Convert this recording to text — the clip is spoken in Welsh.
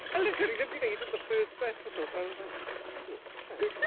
A literally ni ddim 'di wneud e yn the first episode, so I was like, "What's she doing? What's this?"